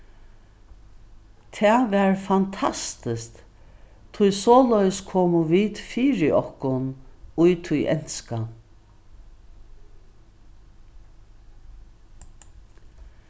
tað var fantastiskt tí soleiðis komu vit fyri okkum í tí enska